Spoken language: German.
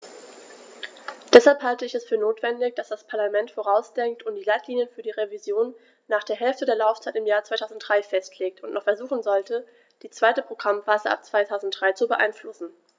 Deshalb halte ich es für notwendig, dass das Parlament vorausdenkt und die Leitlinien für die Revision nach der Hälfte der Laufzeit im Jahr 2003 festlegt und noch versuchen sollte, die zweite Programmphase ab 2003 zu beeinflussen.